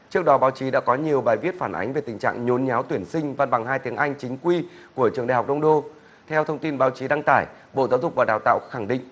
trước đó báo chí đã có nhiều bài viết phản ánh về tình trạng nhốn nháo tuyển sinh văn bằng hai tiếng anh chính quy của trường đại học đông đô theo thông tin báo chí đăng tải bộ giáo dục và đào tạo khẳng định